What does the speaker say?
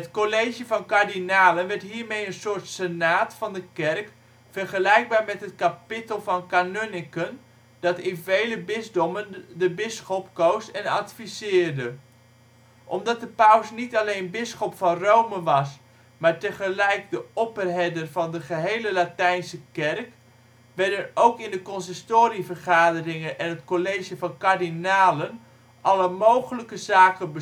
College van Kardinalen werd hiermee een soort senaat van de Kerk, vergelijkbaar met het kapittel van kanunniken dat in vele bisdommen de bisschop koos en adviseerde. Omdat de paus niet alleen bisschop van Rome was, maar tegelijk de opperherder van de gehele Latijnse Kerk, werden ook in de consistorievergaderingen van het College van kardinalen alle mogelijke zaken